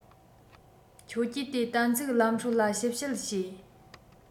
ཁྱོད ཀྱིས དེ གཏན ཚིགས ལམ སྲོལ ལ ཞིབ དཔྱད བྱེད